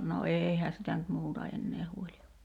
no eihän sitä nyt muuta enää huoli olla